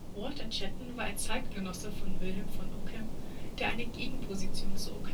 Walter Chatton war ein Zeitgenosse von Wilhelm von Ockham, der eine Gegenposition zu